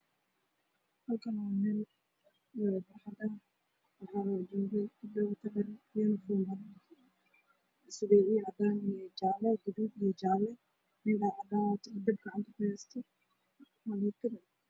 Halkaan waa meel laami ah dad ayaa wax jaale ah gacanta kuhaayo